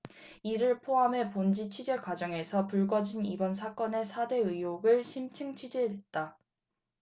이를 포함해 본지 취재 과정에서 불거진 이번 사건의 사 대 의혹을 심층 취재했다